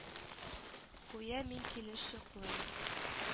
Гүя мин килеш йоклыйм